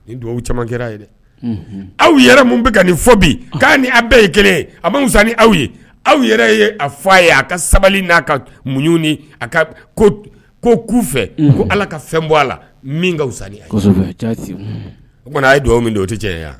Ni dugawu caman kɛra ye dɛ aw yɛrɛ min bɛ ka nin fɔ bi k' ni aw bɛɛ ye kelen a bɛsan ni aw ye aw yɛrɛ ye a fɔ a ye a ka sabali n'a ka muɲ ɲini a ko ku fɛ ko ala ka fɛn bɔ a la min kasan oumana a ye dugawu min don o tɛ cɛ wa